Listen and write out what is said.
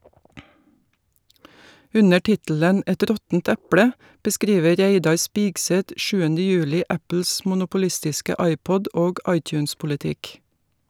Under tittelen "Et råttent eple" beskriver Reidar Spigseth sjuende juli Apples monopolistiske iPod- og iTunes-politikk.